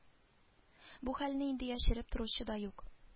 Бу хәлне инде яшереп торучы да юк